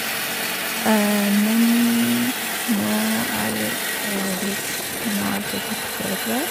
Men nå er litt nå er det litt bedre.